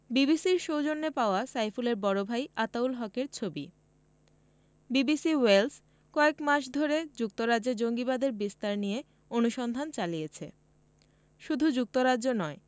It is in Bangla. বিবিসির সৌজন্যে পাওয়া সাইফুলের বড় ভাই আতাউল হকের ছবি বিবিসি ওয়েলস কয়েক মাস ধরে যুক্তরাজ্যে জঙ্গিবাদের বিস্তার নিয়ে অনুসন্ধান চালিয়েছে শুধু যুক্তরাজ্য নয়